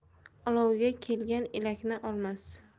olovga kelgan elakni olmas